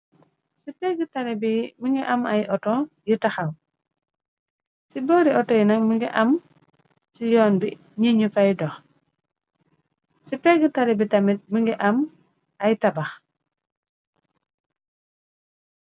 Ci émi ngi am ay oto yi taxaw. Ci boori outoyi na mingi am ci yoon bi ñiñu fay dox. ci pegg tali bi tamit mi ngi am ay tabax.